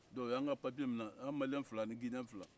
donke o y'an ka papiye minɛ anw maliɲɛ fila ni gineɲɛ fila